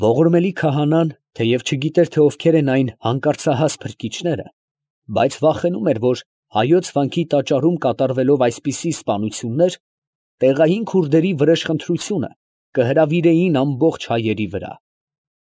Ողորմելի քահանան, թեև չգիտեր, թե ովքեր էին այն հանկարծահաս փրկիչները, բայց վախենում էր, որ հայոց վանքի տաճարում կատարվելով այսպիսի սպանություններ, տեղային քուրդերի վրեժխնդրությունը կհրավիրեին ամբողջ հայերի վրա, ֊